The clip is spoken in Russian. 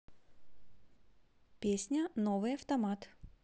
песня новый автомат